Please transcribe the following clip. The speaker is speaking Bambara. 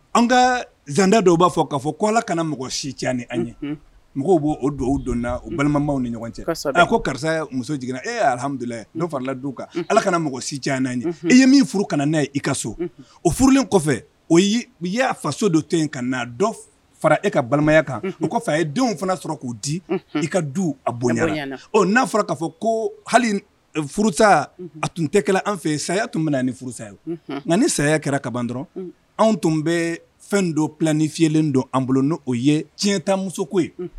An ka zanda dɔw b'a fɔ ka fɔ ko ala kana mɔgɔ si ca ni an ɲɛ mɔgɔw b' o don donda o balimabaww ni ɲɔgɔn cɛ ko karisa muso jiginna ehamdulila farila kan ala kana mɔgɔ si ca n'a ye e ye min furu kana ne ye i ka so o furulen kɔfɛ o u ye a faso dɔ to yen ka na dɔ fara e ka balimaya kan o ko fa a ye denw fana sɔrɔ k'o di i ka du a bo n'a fɔra k'a fɔ ko hali furu a tun tɛ an fɛ saya tun bɛ ni furu o nka ni saya kɛra kaban dɔrɔn anw tun bɛ fɛn don p ni fiyɛlen don an bolo' o ye tiɲɛ tan muso ko ye